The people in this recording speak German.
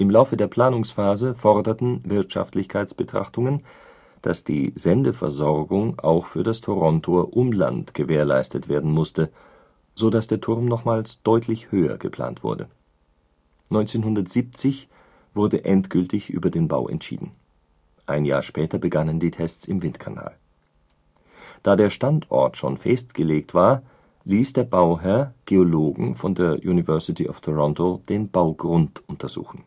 Laufe der Planungsphase forderten Wirtschaftlichkeitsbetrachtungen, dass die Sendeversorgung auch für das Torontoer Umland gewährleistet werden musste, so dass der Turm nochmals deutlich höher geplant wurde. 1970 wurde endgültig über den Bau entschieden, ein Jahr später begannen die Tests im Windkanal. Da der Standort schon festgelegt war, ließ der Bauherr Geologen von der University of Toronto den Baugrund untersuchen